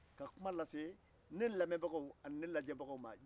ka kuma lase ne lamɛn bagaw ani ne lajɛ bagaw ma bi